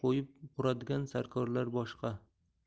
qo'yib quradigan sarkorlar boshqa